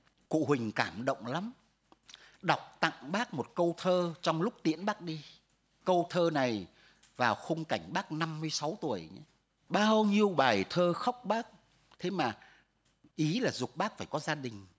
cụ huỳnh cảm động lắm đọc tặng bác một câu thơ trong lúc tiễn bác đi câu thơ này vào khung cảnh bác năm mươi sáu tuổi bao nhiêu bài thơ khóc bác thế mà ý là giục bác phải có gia đình